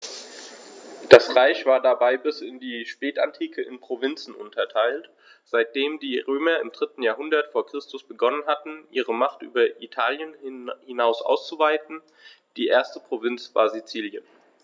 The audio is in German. Das Reich war dabei bis in die Spätantike in Provinzen unterteilt, seitdem die Römer im 3. Jahrhundert vor Christus begonnen hatten, ihre Macht über Italien hinaus auszuweiten (die erste Provinz war Sizilien).